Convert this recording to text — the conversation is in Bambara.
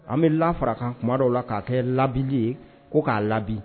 An bɛ la farakan kuma dɔw la k'a kɛ lali ye ko k'a la